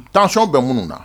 Tancw bɛ mun na